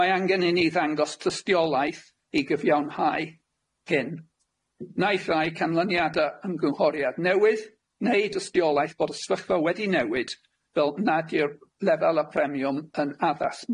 Mae angen i ni ddangos dystiolaeth i gyfiawnhau hyn naillai canlyniada ymgynghoriad newydd neu dystiolaeth bod y sefyllfa wedi newid fel nad yw'r lefel y premiwm yn addas